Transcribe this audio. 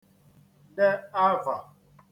de àvà